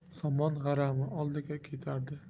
somon g'arami oldiga ketardi